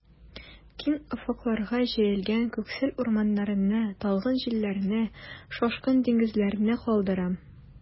Киң офыкларга җәелгән күксел урманнарны, талгын җилләрне, шашкын диңгезләрне калдырам.